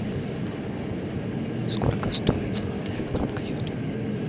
сколько стоит золотая кнопка ютуб